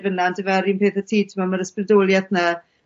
fyn 'na on'd yfe? A'r un peth â ti t'mo' ma'r ysbrydolieth 'na